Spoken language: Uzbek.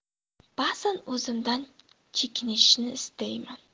ba'zan o'zimdan chekinishni istayman